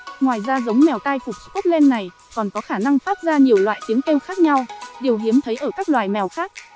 ngoài ra giống mèo tai cụp scotland này còn có khả năng phát ra nhiều loại tiếng kêu khác nhau điều hiếm thấy ở các loài mèo khác